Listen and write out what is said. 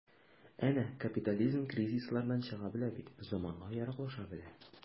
Әнә капитализм кризислардан чыга белә бит, заманга яраклаша белә.